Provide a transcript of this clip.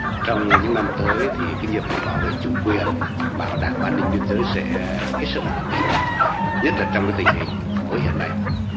trong những năm tới thì cái nhiệm vụ bảo vệ chủ quyền bảo đảm an ninh biên giới sẽ hết sức là nặng nề nhất là trong cái tình hình mới hiện nay